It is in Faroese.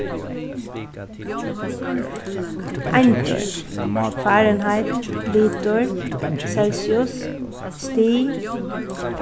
eindir fahrenheit litur celsius stig